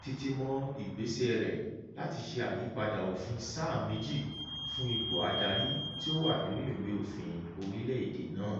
títí mọ́ ìgbésẹ̀ rẹ̀ láti ṣe àyípadà òfin sáà méjì fún ipò adarí tí ó wà nínú ìwé òfin orílẹ̀-èdè náà.